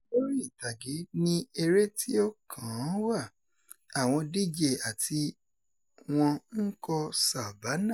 Lórí ìtàgé ni eré tí ó kàn-án wà, àwọn DJ àti wọn ń kọ "Savannah"